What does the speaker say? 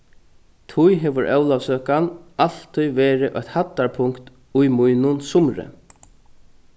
tí hevur ólavsøkan altíð verið eitt hæddarpunkt í mínum sumri